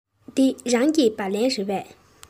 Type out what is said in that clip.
འདི རང གི སྦ ལན རེད པས